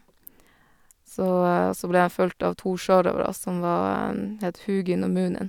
så Og så ble dem fulgt av to sjørøvere som var het Hugin og Munin.